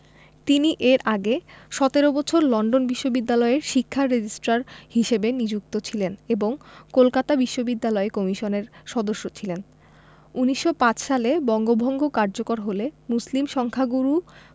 তিনি এর আগে ১৭ বছর লন্ডন বিশ্ববিদ্যালয়ের শিক্ষা রেজিস্ট্রার হিসেবে নিযুক্ত ছিলেন এবং কলকাতা বিশ্ববিদ্যালয় কমিশনের সদস্য ছিলেন ১৯০৫ সালে বঙ্গভঙ্গ কার্যকর হলে মুসলিম সংখ্যাগুরু